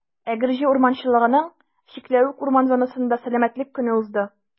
Әгерҗе урманчылыгының «Чикләвек» урман зонасында Сәламәтлек көне узды.